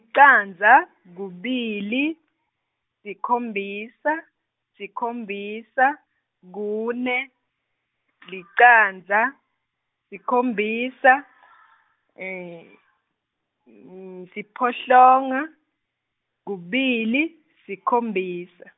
candza , kubili, sikhombisa, sikhombisa, kune, licandza, sikhombisa, siphohlongo, kubili, sikhombisa.